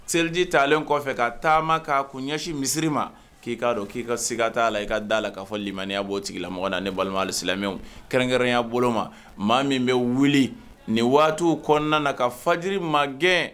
Seliji taalen kɔfɛ ka taama k'a kun ɲɛsi misiri ma k'i k'a dɔn k'i ka siga ta' la i ka daa la k'a fɔ limaniya b'o tigilamɔgɔ la ne balima alisilamɛw kɛrɛnkɛrɛn yaa bolo ma maa min bɛ wuli nin waatiw kɔɔna na ka fajiri maa gɛɛn